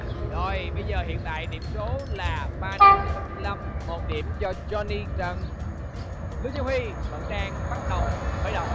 rồi bây giờ hiện tại điểm số là ba điểm cho tô minh lâm một điểm do trô ni trần lương gia huy vẫn đang bắt đầu khởi động